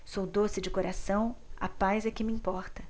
sou doce de coração a paz é que me importa